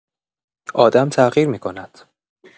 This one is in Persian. آدم تغییر می‌کند.